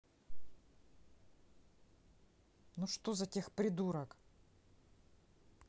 ну что за тех придурок